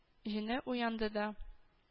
Җене уянды да